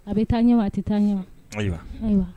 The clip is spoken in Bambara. A bɛ taa ɲɛ a tɛ taa ɲɛma ayiwa